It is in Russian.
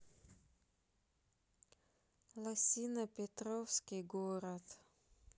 лосинопетровский город